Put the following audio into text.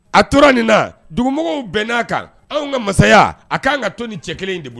A tora nin na dugumɔgɔ bɛn n'a kan anw ka masaya a k'an ka to ni cɛ kelen de bolo